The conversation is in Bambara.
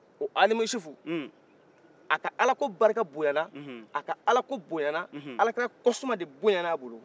o alimusufu a ka alako barika bonyannan a ka alako bonyannan alakira kosuma de bonyanra bolo